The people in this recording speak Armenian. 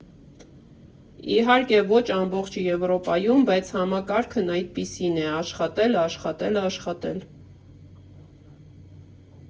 Իհարկե, ոչ ամբողջ Եվրոպայում, բայց համակարգն այդպիսին է՝ աշխատել, աշխատել, աշխատել։